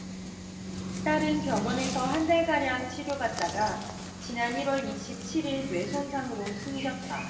딸은 병원에서 한 달가량 치료받다가 지난 일 월 이십 칠 일 뇌 손상으로 숨졌다